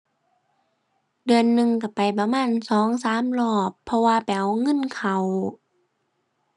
เดือนหนึ่งก็ไปประมาณสองสามรอบ เพราะว่าไปเอาเงินเข้า